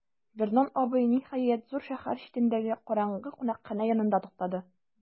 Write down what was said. Вернон абый, ниһаять, зур шәһәр читендәге караңгы кунакханә янында туктады.